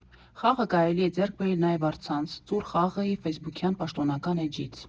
Խաղը կարելի է ձեռք բերել նաև առցանց՝ «Ծուռ խաղը»֊ի ֆեյսբուքյան պաշտոնական էջից։